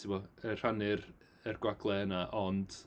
Tibod yy rhannu'r yr gwagle yna, ond...